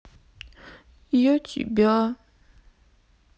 я тебя